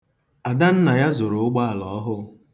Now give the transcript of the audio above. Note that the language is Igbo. Adannaya zuru ụgbọala ọhụụ.